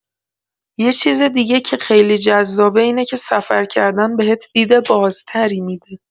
یه چیز دیگه که خیلی جذابه اینه که سفر کردن بهت دید بازتری می‌ده.